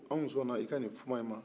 anw sɔna i ka ni kuma in ma